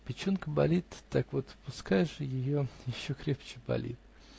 Печенка болит, так вот пускай же ее еще крепче болит!